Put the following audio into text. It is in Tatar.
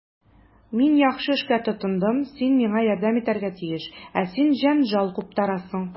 Мин яхшы эшкә тотындым, син миңа ярдәм итәргә тиеш, ә син җәнҗал куптарасың.